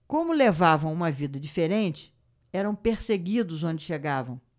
como levavam uma vida diferente eram perseguidos onde chegavam